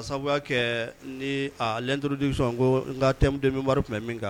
Ka sabuya kɛɛ nIi à l'introduction n koo ŋa thème de mémoire tun bɛ min kan